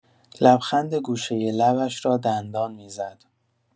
لبخند گوشۀ لبش را دندان می‌زد.